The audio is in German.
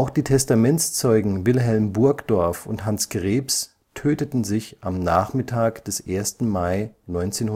die Testamentszeugen Wilhelm Burgdorf und Hans Krebs töteten sich am Nachmittag des 1. Mai 1945